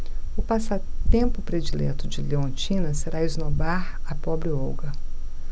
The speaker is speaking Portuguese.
o passatempo predileto de leontina será esnobar a pobre olga